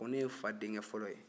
ko ne ye n fa denkɛ fɔlɔ ye